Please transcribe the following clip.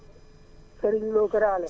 Serigne Lo Kër Allé